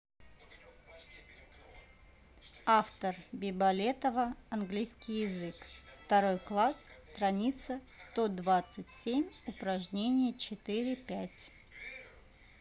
автор биболетова английский язык второй класс страница сто двадцать семь упражнение четыре пять